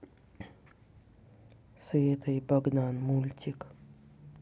света и богдан мультик